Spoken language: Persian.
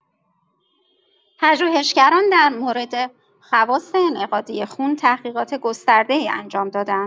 پژوهشگران در مورد خواص انعقادی خون تحقیقات گسترده‌ای انجام داده‌اند.